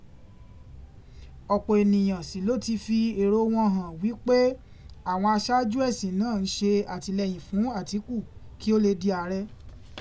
Ọ̀pọ̀ ènìyàn sì ló ti fi èrò wọn han wí pé, àwọn àṣáájú ẹ̀sìn náà ń ṣe àtìlẹ́yìn fún Àtíkù kí ó lè di ààrẹ.